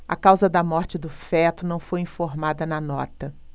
a causa da morte do feto não foi informada na nota